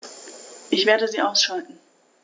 Ich werde sie ausschalten